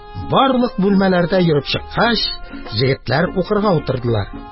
Барлык бүлмәләрдә йөреп чыккач, егетләр укырга утырдылар.